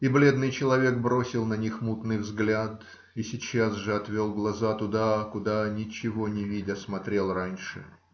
И бледный человек бросил на них мутный взгляд и сейчас же отвел глаза туда, куда, ничего не видя, смотрел раньше.